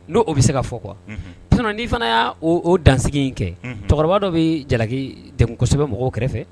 N' o bɛ se ka fɔ qu ni' fana y' o dansigi in kɛ cɛkɔrɔba dɔ bɛ jalaki de kosɛbɛ mɔgɔw kɛrɛfɛ